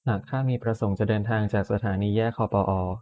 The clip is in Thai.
หากข้ามีประสงค์จะเดินทางจากสถานีแยกคอปอออ